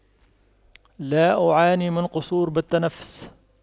لا أعاني من قصور بالتنفس